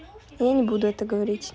сосет хорошо